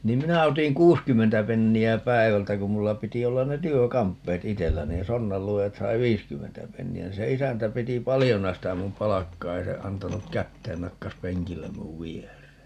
niin minä otin kuusikymmentä penniä päivältä kun minulla piti olla ne työkamppeet itsellä niin sonnanluojat sai viisikymmentä penniä niin se isäntä piti paljona sitä minun palkkaa ei se antanut käteen nakkasi penkille minun viereen